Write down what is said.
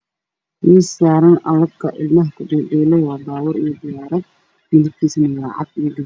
Miis saran alabta ilmaha ku dhedhelan waa babuur iyo diyarad midabkisuna waa cad iyo gaduud